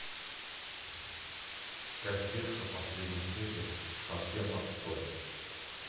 кассирша последняя серия